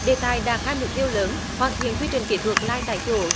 đề tài đạt hai mục tiêu lớn hoàn thiện quy trình kỹ thuật lai tại chỗ